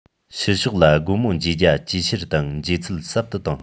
ཕྱི ཕྱོགས ལ སྒོ མོ འབྱེད རྒྱ ཇེ ཆེར དང འབྱེད ཚད ཟབ ཏུ བཏང